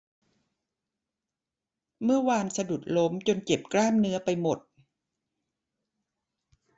เมื่อวานสะดุดล้มจนเจ็บกล้ามเนื้อไปหมด